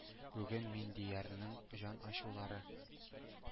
Бүген Миндиярның җан ачулары,